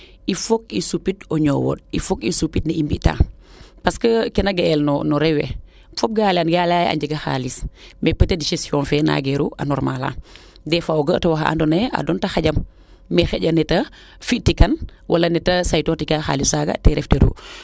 il faut i supit o ñowoond il faut i supit nee i mbi taa parce que keena ga'el no rew we fop gaa leyel gaa leyaaye a njega xalis mais peut etre gestion fee nangeru a normale aa des fois o ga o tewoxa ando naye a doonta xajam mais xaƴa neete fi tikan wala neete seytoorit xalis faaga ten ref teeru